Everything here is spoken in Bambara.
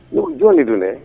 Ɲɔ jɔn de don dɛ